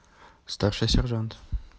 старший сержант